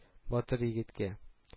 Батыр егеткә